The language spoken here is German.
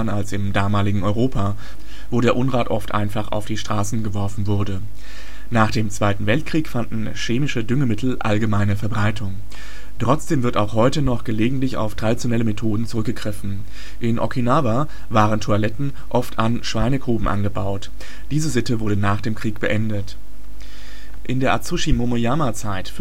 als im damaligen Europa, wo der Unrat oft einfach auf die Straßen geworfen wurde. Nach dem Zweiten Weltkrieg fanden chemische Düngemittel allgemeine Verbreitung. Trotzdem wird auch heute noch gelegentlich auf traditionelle Methoden zurückgegriffen. In Okinawa waren Toiletten oft an Schweinekoben angebaut. Diese Sitte wurde nach dem Krieg beendet. In der Azuchi-Momoyama-Zeit